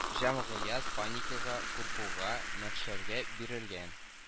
Җәмгыять паникага, куркуга, мәхшәргә бирелгән